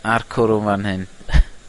A'r cwrw nan hyn.